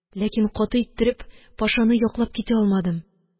Ләкин каты иттереп пашаны яклап китә алмадым.